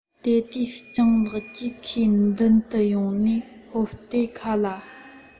དེ དུས སྤྱང ལགས ཀྱིས ཁོའི མདུན དུ ཡོང ནས ཧོབ སྟེ ཁ ལ གློ བུར